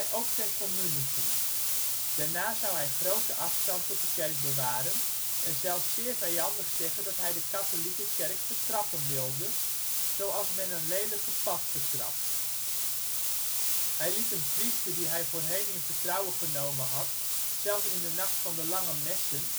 ook ter communie ging. Daarna zou hij grote afstand tot de Kerk bewaren, en zelfs zeer vijandig zeggen dat hij de " katholieke Kerk vertrappen " wilde " zoals men een lelijke pad vertrapt ". Hij liet een priester die hij voorheen in vertrouwen genomen had zelfs in de nacht van de lange messen